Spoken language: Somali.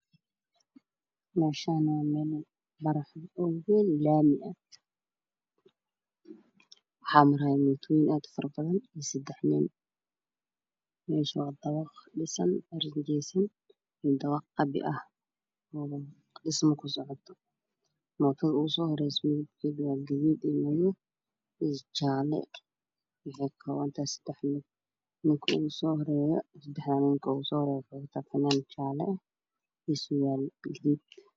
Meeshaan waa meel banaan oo wayn ah oo laami ah waxaa maraayo mootooyin aad u fara badan iyo seddex nin. Meesha waa dabaq dhisan oo rin jiyaysan iyo dabaq qabyo ah oo dhismo ku socoto mootada ugu soo horeeso midabkeedu waa gaduud iyo madow iyo jaale waxay ka koobantahay seddex nin. ninka ugu soo horeeyo. Seddexdaan ninka ugu soo horeeyo waxuu wataa fanaanad jaalle eh iyo gaduud.